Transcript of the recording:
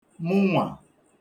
mụnwà